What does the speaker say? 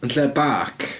Yn lle bark.